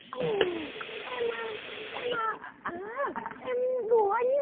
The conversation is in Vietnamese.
ừ em a em a à em đùa anh ý